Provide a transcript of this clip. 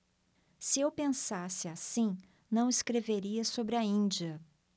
se eu pensasse assim não escreveria sobre a índia